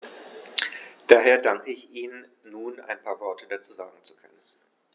Daher danke ich Ihnen, nun ein paar Worte dazu sagen zu können.